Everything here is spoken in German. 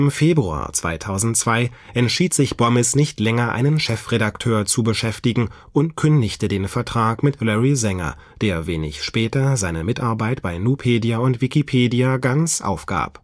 Februar 2002 entschied sich Bomis, nicht länger einen Chefredakteur zu beschäftigen, und kündigte den Vertrag mit Larry Sanger, der wenig später seine Mitarbeit bei Nupedia und Wikipedia ganz aufgab